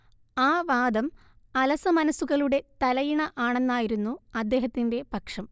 ആ വാദം അലസമനസ്സുകളുടെ തലയിണ ആണെന്നായിരുന്നു അദ്ദേഹത്തിന്റെ പക്ഷം